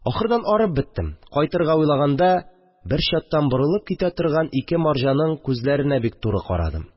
Ахырдан арып беттем, кайтырга уйлаганда, бер чаттан борылып китә торган ике марҗаның күзләренә бик туры карадым